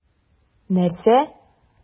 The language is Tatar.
Нәрсә?!